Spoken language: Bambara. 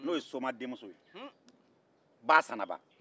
n'o ye soma denmuso ye